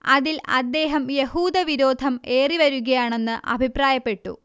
അതിൽ അദ്ദേഹം യഹൂദവിരോധം ഏറിവരുകയാണെന്ന് അഭിപ്രായപ്പെട്ടു